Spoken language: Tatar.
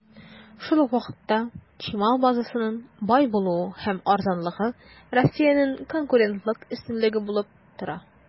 Шул ук вакытта, чимал базасының бай булуы һәм арзанлыгы Россиянең конкурентлык өстенлеге булып тора.